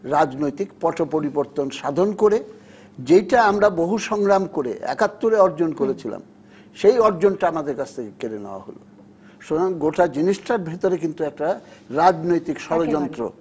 রাজনৈতিক পট পরিবর্তন সাধন করে যেটা আমরা বহু সংগ্রাম করে একাত্তরে অর্জন করেছিলাম যে অর্জন তা আমাদের কাছ থেকে কেড়ে নেয়া হলো স্বয়ং গোটা জিনিসটার ভেতরে কিন্তু একটা রাজনৈতিক ষড়যন্ত্র